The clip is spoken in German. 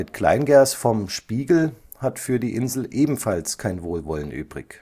Kleingers vom Spiegel hat für Die Insel ebenfalls kein Wohlwollen übrig